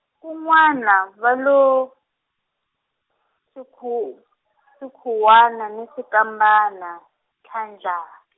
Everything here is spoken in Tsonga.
kun'wana va lo, swikhu- swikhuwana ni swikambana, tlhandla.